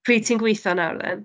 Pryd ti'n gweithio nawr dden?